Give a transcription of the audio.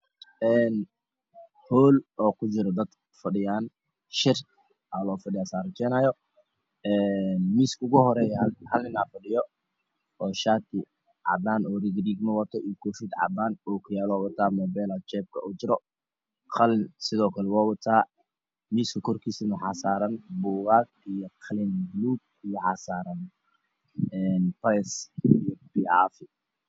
Hol oo dad fadhiyan shir ayaa logu fadhiya miska ugu horeya hal nin ayaa fadhiya oo shati cadana oo rigma rigma leh iyo kofi cadana okiyalo wata talefon ayaa jebka ugu jira